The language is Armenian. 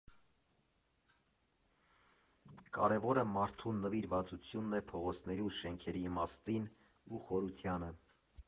Կարևորը՝ մարդու նվիրվածությունն է փողոցների ու շենքերի իմաստին ու խորությանը։